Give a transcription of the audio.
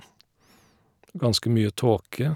Ganske mye tåke.